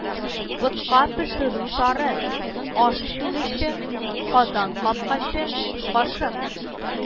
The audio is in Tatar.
Ботка пешерү тары, аш чүмече, казан капкачы, кашык